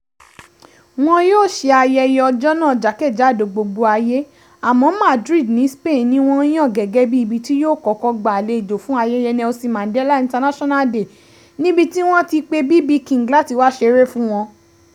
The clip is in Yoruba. Wọn yóò ṣe ayẹ́yẹ́ ọjọ́ náà jákè-jádò gbogbo ayé àmọ́ Madrid ni Spain ni wọ́n yàn gẹ́gẹ́ bí ibi tí yóò kọ́kọ́ gba àlejò fún ayẹyẹ Nelson Mandela International Day, níbi tí wọ́n ti pé BB King láti wá ṣere fún wọn.